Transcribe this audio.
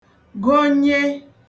gonye